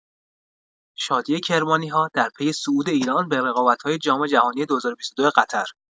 شادی کرمانی‌ها در پی صعود ایران به رقابت‌های جام‌جهانی ۲۰۲۲ قطر